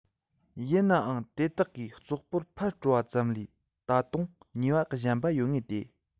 ཡིན ནའང དེ དག གིས བཙོག པོ ཕར སྤོ བ ཙམ ལས ད དུང ནུས པ གཞན པ ཡོད ངེས ཏེ